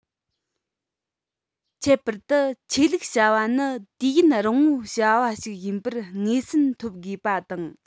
ཁྱད པར དུ ཆོས ལུགས བྱ བ ནི དུས ཡུན རིང བའི བྱ བ ཞིག ཡིན པར ངོས ཟིན ཐོབ དགོས པ དང